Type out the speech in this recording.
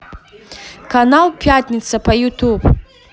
канал пятница по ютуб